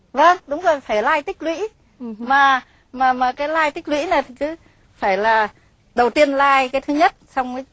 vâng đúng rồi phải lai tích lũy mà mà mà cái lai tích lũy là cứ phải là đầu tiên lai cái thứ nhất song mới